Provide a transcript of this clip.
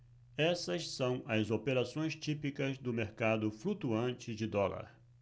essas são as operações típicas do mercado flutuante de dólar